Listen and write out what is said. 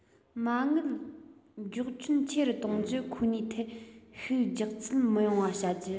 མ དངུལ འཇོག ཁྱོན ཆེ རུ གཏོང རྒྱུ ཁོ ནའི ཐད ཤུགས རྒྱག ཚུལ མི ཡོང བ བྱ རྒྱུ